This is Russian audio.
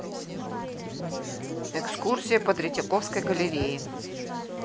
экскурсия по третьяковской галерее